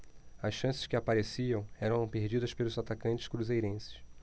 as chances que apareciam eram perdidas pelos atacantes cruzeirenses